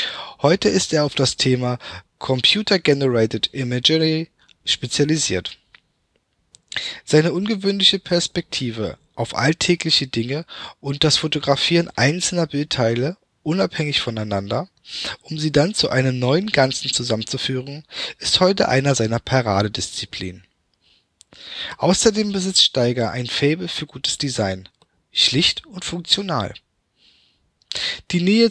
Heute ist er auf das Thema " Computer Generated Imagery " spezialisiert. Seine ungewöhnliche Perspektve auf alltägliche Dinge und das Fotografieren einzelner Bildteile unabhängig voneinander, um sie dann zu einem neuen Ganzen zusammenzufügen, ist heute eine seiner Paradedisziplinen. Außerdem besitzt Staiger ein Faible für gutes Design: schlicht und funktional. Die